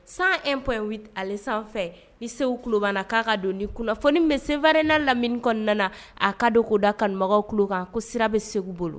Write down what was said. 101.8 ale sanfɛ ni i seku kulo b'an na k'a ka don ,ni kunnafoni min bɛ Sefare n'a lamini kɔnɔna, a ka don k'o da kanubagaw tulo kan ko sira bɛ Seku bolo.